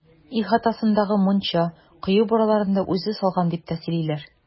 Ихатасындагы мунча, кое бураларын да үзе салган, дип тә сөйлиләр.